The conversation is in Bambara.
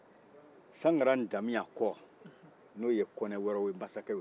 sankara damiyan kɔ n'o ye kɔnɛ fɛrɛw basakew